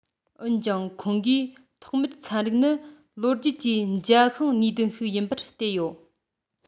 འོན ཀྱང ཁོང གིས ཐོག མར ཚན རིག ནི ལོ རྒྱུས ཀྱི འཇའ ཤིང ནུས ལྡན ཞིག ཡིན པར བལྟས ཡོད